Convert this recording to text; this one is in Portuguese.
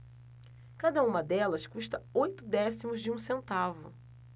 cada uma delas custa oito décimos de um centavo